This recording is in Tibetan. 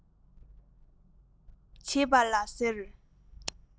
བྱེད པ ལ ཟེར